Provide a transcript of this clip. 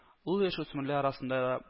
Ул яшүсмерләр арасында да